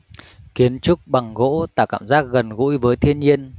kiến trúc bằng gỗ tạo cảm giác gần gũi với thiên nhiên